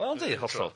Wel yndi, hollol.